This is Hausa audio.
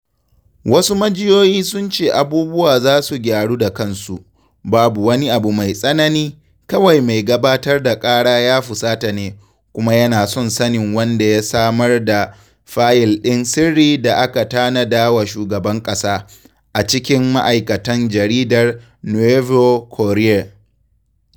Wasu majiyoyi sun ce abubuwa za su gyaru da kansu, "babu wani abu mai tsanani, kawai mai gabatar da ƙara ya fusata ne, kuma yana son sanin wanda ya samar da fayil ɗin sirri da aka tanada wa shugaban ƙasa, a cikin ma'aikatan jaridar Nouveau Courrier.